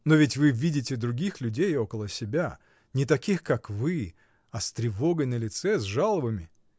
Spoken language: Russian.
— Но ведь вы видите других людей около себя, не таких, как вы, а с тревогой на лице, с жалобами.